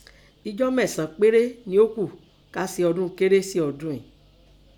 Ijọ́ mẹ́sàn án péré nẹ ó kù kín á se ọdún Kérésì ọdún ìín.